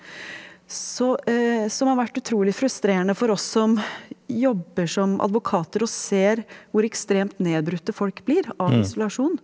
så som har vært utrolig frustrerende for oss som jobber som advokater og ser hvor ekstremt nedbrutte folk blir av isolasjon.